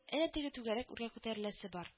Әнә теге түгәрәк үргә күтәреләсе бар